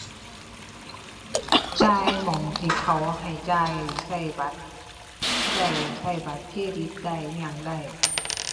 จ่ายหม้องที่เขาให้จ่ายใช้บัตรได้ ใช้บัตรเครดิตได้ อิหยังได้